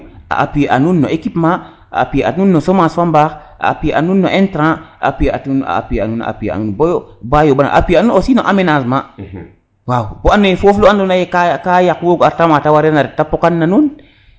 a appuer a nuun no équipement a appuyer a nuun no chomage fa mbaax appuyer nuun no intrra a appuyer a nuun a appuyer a nuun ba yombana a appuyer a nuun tam no amenagement waaw bo ande foof lu ando naye ka yaq wogu a reta ma te warer na ret te pokan na nuun